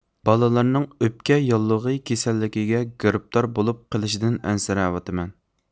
بالىلارنىڭ ئۆپكە ياللۇغى كېسەللىكىگە گىرىپتار بولۇپ قېلىشىدىن ئەنسىرەۋاتىمەن